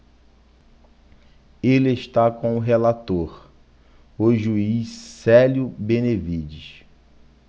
ele está com o relator o juiz célio benevides